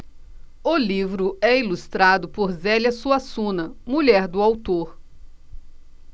o livro é ilustrado por zélia suassuna mulher do autor